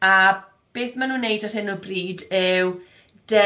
A beth maen nhw'n neud ar hyn o bryd yw derbyn